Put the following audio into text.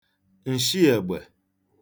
ǹshị ègbè